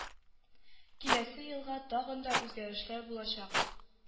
Киләсе елга тагын да үзгәрешләр булачак